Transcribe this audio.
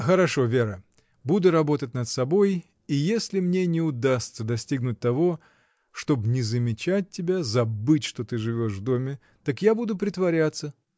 — Хорошо, Вера, буду работать над собой, и если мне не удастся достигнуть того, чтоб не замечать тебя, забыть, что ты живешь в доме, так я буду притворяться.